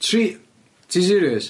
Tri... Ti serious?